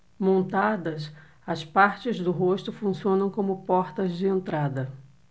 montadas as partes do rosto funcionam como portas de entrada